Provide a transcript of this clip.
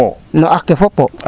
no ax ke fopo